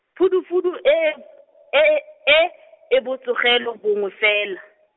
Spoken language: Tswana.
phudufudu e e , e e, e, e botsogelo bongwe fela.